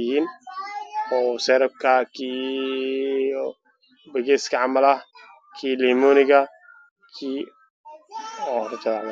iyo jaalo waana dhalo haddaan ah